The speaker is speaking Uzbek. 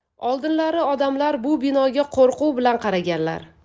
oldinlari odamlar bu binoga qo'rquv bilan qaraganlar